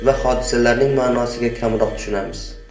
va hodisalarning ma'nosini kamroq tushunamiz